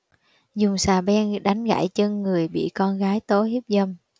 dùng xà beng đánh gãy chân người bị con gái tố hiếp dâm